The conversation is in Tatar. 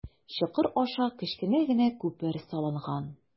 Чокыр аша кечкенә генә күпер салынган.